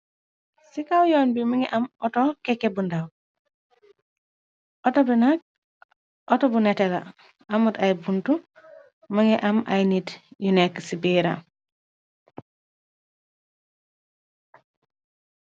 Ci kaw yoon bi mi ngi am auto keke bundaw atobi nag auto bu netéla amot ay bunt më ngi am ay nit yu nekk ci béera.